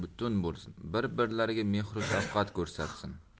butun bo'lsin bir birlariga mehru shafqat ko'rsatsin